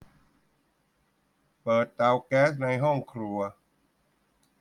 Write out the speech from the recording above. เปิดเตาแก๊สในห้องครัว